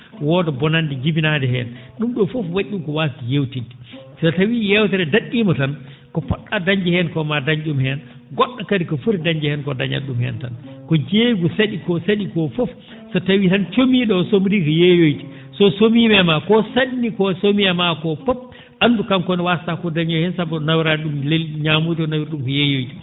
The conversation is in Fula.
wooda bonande jibinaande heen ?um fof wa?i ?um ko waasde yeewtidde so tawii yeewtere dad?iima tan ko po??a dañde heen ko maa a dañ ?um heen go??o kadi ko foti dañat ?um heen tan ko jeeygu sa?i koo sa?i koo fof so tawii tan comii?o oo somrii ko yeeyoyde so somiima e maa ko sanni ko somii e ma ko fof anndu kanko ne waasta ko o dañoyi heen sabu o nawraani ?um ñaamoyde o nawri?um ko yeeyoyde